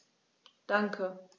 Danke.